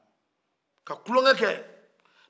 ka tulonkɛ kɛ